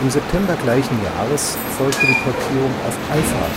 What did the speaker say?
September gleichen Jahres folgte die Portierung auf Alpha-Prozessoren